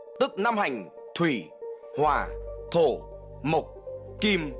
tức năm hành thủy hỏa thổ mộc kim